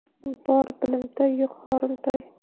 bor bilimtoy yo'q horimtoy